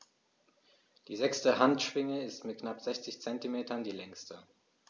Die sechste Handschwinge ist mit knapp 60 cm die längste.